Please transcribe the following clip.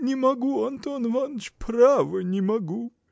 – Не могу, Антон Иваныч, право не могу